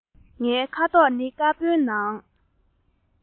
ངའི ཁ དོག ནི དཀར པོའི ནང